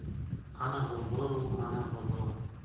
ana bozoru mana bozor